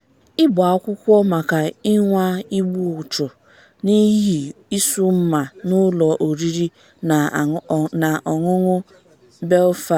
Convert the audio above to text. Ịgba akwụkwọ maka ịnwa igbu ọchụ n’ihi ịsụ mma n’ụlọ oriri na ọṅụṅụ Belfast.